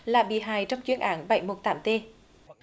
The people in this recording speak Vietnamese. là bị hại trong chuyên án bảy một tám tê